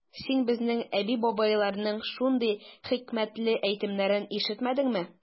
Син безнең әби-бабайларның шундый хикмәтле әйтемнәрен ишетмәдеңме?